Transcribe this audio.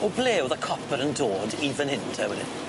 O ble o'dd y copr yn dod i fyn hyn te wedyn?